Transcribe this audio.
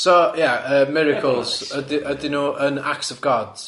So ia yy miracles yd- ydyn n'w yn acts of gods?